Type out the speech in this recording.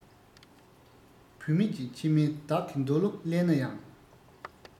བུད མེད ཀྱི མཆི མས བདག གི འདོད བློ བརླན ན ཡང